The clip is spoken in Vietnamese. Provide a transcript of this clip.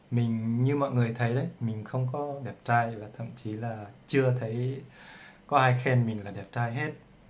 mọi người có thể thấy mình không đẹp trai và chưa từng có ai khen mình đẹp trai hết